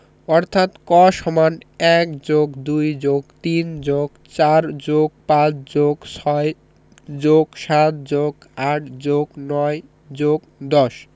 অর্থাৎ ক = ১+২+৩+৪+৫+৬+৭+৮+৯+১০